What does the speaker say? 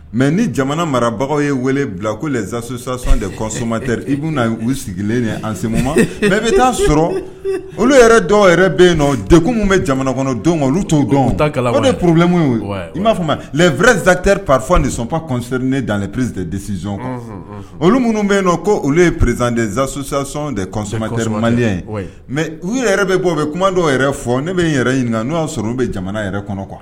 Mɛ ni jamana marabagaw ye wele bila ko zsaasosasan de kɔsɔmatɛri i bɛ na u sigilen an semu mɛ bɛ taa sɔrɔ olu yɛrɛ dɔw yɛrɛ bɛ yen nɔ dek bɛ jamana kɔnɔ don olu t'o dɔn porobimu i m'a fɔ ma lɛnɛrɛzsaater pa nisɔnp kɔsɔri ne dalenle presi desiz olu minnu bɛ yen nɔ ko olu ye perez dezsasa de kɔsɔmare mɛ u yɛrɛ bɛ bɔ bɛ kuma dɔw yɛrɛ fɔ ne bɛ n yɛrɛ ɲini n' y'a sɔrɔ u bɛ jamana yɛrɛ kɔnɔ kuwa